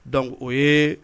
Donc o ye